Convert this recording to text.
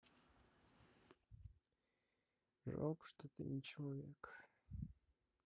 жалко что ты не человек